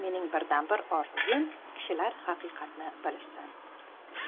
mening birdan bir orzum kishilar haqiqatni bilishsin